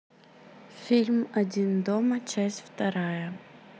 фильм один дома часть вторая